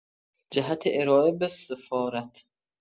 جهت ارائه به سفارت